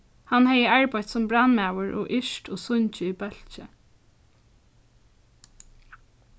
hann hevði arbeitt sum brandmaður og yrkt og sungið í bólki